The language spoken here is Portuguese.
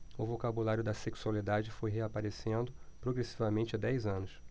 o vocabulário da sexualidade foi reaparecendo progressivamente há dez anos